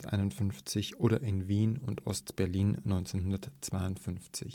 1951, oder in Wien und Ost-Berlin 1952